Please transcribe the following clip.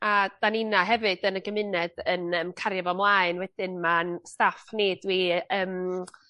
A 'dan ni 'na hefyd yn y gymuned yn yym cario fo mlaen wedyn ma'n staff ni dwi yym